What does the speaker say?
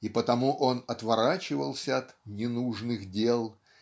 и потому он отворачивался от "ненужных дел"